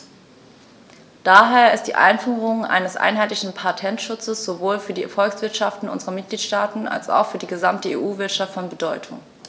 Daher ist die Einführung eines einheitlichen Patentschutzes sowohl für die Volkswirtschaften unserer Mitgliedstaaten als auch für die gesamte EU-Wirtschaft von Bedeutung.